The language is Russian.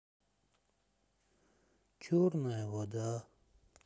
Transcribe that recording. черная вода